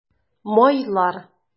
Майлар